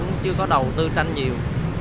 chưa có đầu tư tranh nhiều